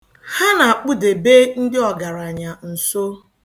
Ha na-akpụdebe ndị ọgaranya nso.